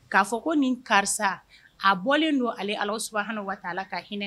K'a fɔ ko nin karisa a bɔlen don ale a Allahou Soubhana wa ta Alaa ka hinɛ